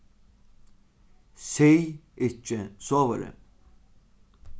sig ikki sovorðið